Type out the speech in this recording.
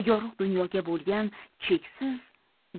yorug' dunyoga bo'lgan cheksiz